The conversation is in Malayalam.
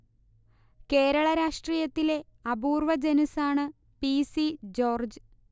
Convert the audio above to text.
കേരള രാഷ്ട്രീയത്തിലെ അപൂർവ്വ ജനുസ്സാണ് പി. സി. ജോർജ്